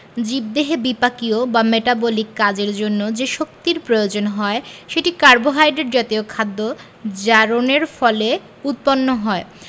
জীবদেহে বিপাকীয় বা মেটাবলিক কাজের জন্য যে শক্তির প্রয়োজন হয় সেটি কার্বোহাইড্রেট জাতীয় খাদ্য জারণের ফলে উৎপন্ন হয়